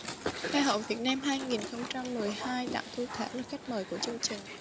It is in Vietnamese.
hoa hậu việt nam hai nghìn không trăm mười hai đặng thu thảo là khách mời của chương trình